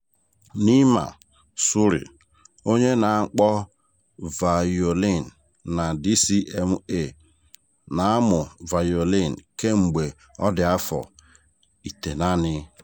Neema Surri, onye na-akpọ vayolin na DCMA, na-amụ vayolin kemgbe ọ dị afọ 9.